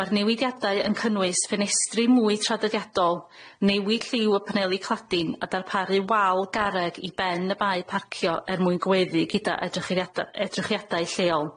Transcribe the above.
Ma'r newidiadau yn cynnwys ffenestri mwy traddodiadol, newid lliw y paneli claddin' a darparu wal garreg i ben y bae parcio er mwyn gweddu gyda edrychiada- edrychiadau lleol.